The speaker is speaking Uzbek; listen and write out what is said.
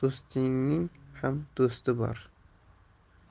do'stingning ham do'sti bor